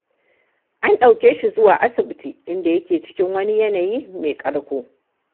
An ɗauke shi zuwa asibiti inda yake cikin wani yanayi “mai ƙarko.”